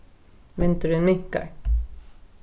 vindurin minkar